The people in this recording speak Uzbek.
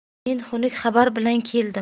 men xunuk xabar bilan keldim